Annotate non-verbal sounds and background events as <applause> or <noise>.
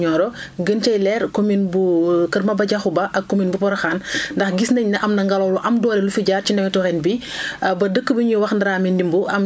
lu ni mel sax ren gis nañ ko ci départemrnt bu Nioro <breath> gën cee leer commune bu <hesitation> Kër MabaDiakhou Ba ak commune bu Porokhane <breath> ndax gis nañ ne am na ngalaw lu am doole lu fi jaar ci nawetu ren bii <breath>